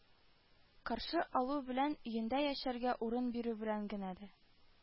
Каршы алу белән, өендә яшәргә урын бирү белән генә дә